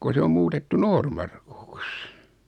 kun se on muutettu Noormarkuksi